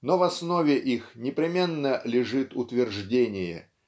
но в основе их непременно лежит утверждение